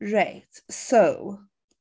Reit so...